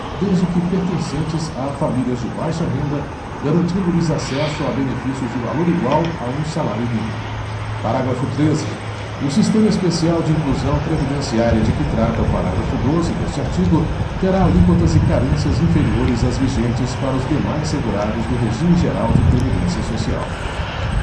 desde que pertencentes a famílias de baixa renda garantindo lhes acesso a benefícios de valor igual a um salário mínimo parágrafo treze o sistema especial de inclusão previdenciária de que trata o parágrafo doze deste artigo terá alíquotas e carências inferiores às vigentes para os demais segurados do regime geral de previdência social